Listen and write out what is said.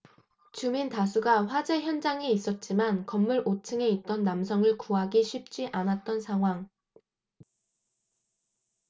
주민 다수가 화재 현장에 있었지만 건물 오 층에 있던 남성을 구하기 쉽지 않았던 상황